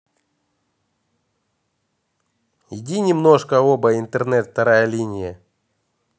иди немножко оба интернет вторая линия